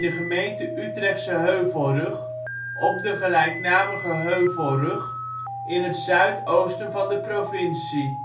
gemeente Utrechtse Heuvelrug, op de gelijknamige Heuvelrug in het zuidoosten van de provincie